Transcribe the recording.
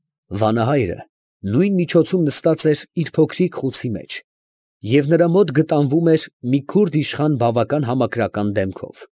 Վանահայրը նույն միջոցում նստած էր իր փոքրիկ խուցի մեջ և նրա մոտ գտանվում էր մի քուրդ իշխան բավական համակրական դեմքով։